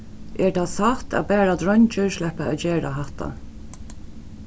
er tað satt at bara dreingir sleppa at gera hatta